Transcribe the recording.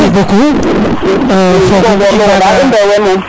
merci beaucoup fo gum i mbaga